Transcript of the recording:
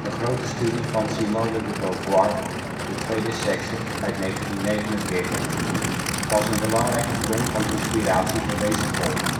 grote studie van Simone de Beauvoir, De tweede sekse (1949), was een belangrijke bron van inspiratie voor deze golf